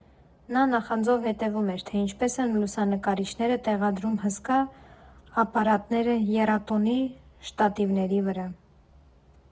Նա նախանձով հետևում էր, թե ինչպես են լուսանկարիչները տեղադրում հսկա ապարատները եռոտանի շտատիվների վրա։